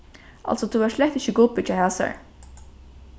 altso tú ert slett ikki gubbi hjá hasari